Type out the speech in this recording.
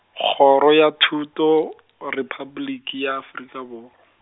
Kgoro ya Thuto , Repabliki ya Afrika Borwa.